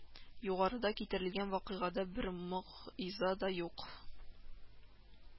Югарыда китерелгән вакыйгада бер мог иза да юк